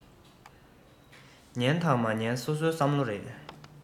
ཉན དང མ ཉན སོ སོའི བསམ བློ རེད